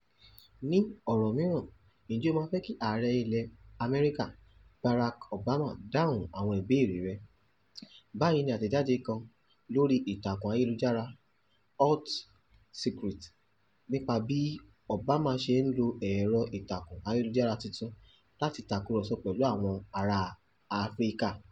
Ní ọ̀rọ̀ mìíràn, ǹjẹ́ o máa fẹ́ kí ààrẹ ilẹ̀ Amẹ́ríkà, Barack Obama dáhùn àwọn ìbéèrè rẹ?, "báyìí ní àtẹ̀jáde kan lórí ìtàkùn ayélujára Hot secrets nípa bí Obama ṣe ń lo ẹ̀rọ ìtàkùn ayélujára tuntun láti takùrọsọ pẹ̀lú àwọn ará Áfríkà.